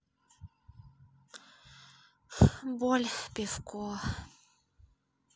боль пивко